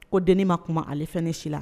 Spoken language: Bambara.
Ko deniba ma kuma ale fɛn ne si la